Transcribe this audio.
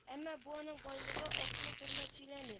Әмма бу аның байлыгы артуы турында сөйләми